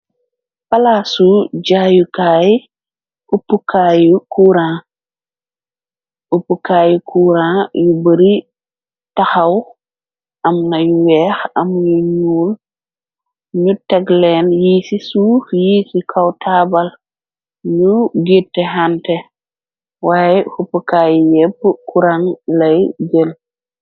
palaasu jaayukaay auppkaayu kuran yu bari taxaw am nayu weex am yu ñuul ñu teg leen yi ci suux yi ci kow taabal ñu gitte xante waye hupkaayyi yepp kuran lay jël.